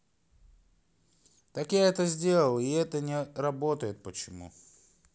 так я это сделал и это не работает почему